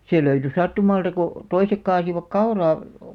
se löytyi sattumalta kun toiset kaatoivat kauraa